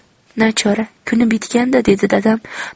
nachora kuni bitgan da dedi dadam